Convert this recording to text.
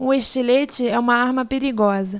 o estilete é uma arma perigosa